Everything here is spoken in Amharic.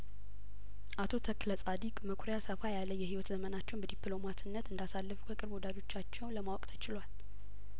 አቶ ተክለጻዲቅ መኩሪያሰፋ ያለየህይወት ዘመናቸውን በዲፕሎማትነት እንዳሳለፉ ከቅርብ ወዳጆቻቸው ለማወቅ ተችሏል